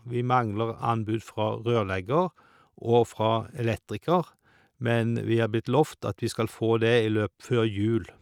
Vi mangler anbud fra rørlegger og fra elektriker, men vi er blitt lovet at vi skal få det i løp før jul.